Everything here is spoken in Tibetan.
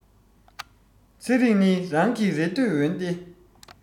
ཚེ རིང ནི རང གི རེ འདོད འོན ཏེ